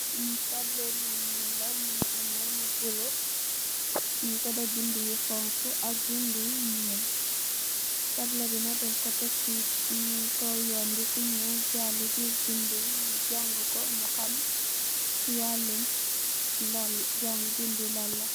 Lii tableau bu njull la, mungy ameh lu bleu, njung kor deff bindu yu honhu ak bindu yu njull, tableau bii nak denkor tek cii, cii kaw yon bii, ku njow jaalu gis bindu yii mu jaangu kor, mu ham cii waaloum lal, jaa, bindu lanla.